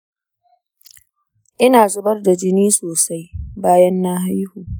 ina zubar da jini sosai bayan na haihu